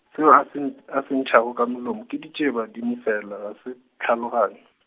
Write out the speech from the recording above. seo a se nt-, a se ntšhago ka molomo ke ditšiebadimo fela ga se, tlhalogan- .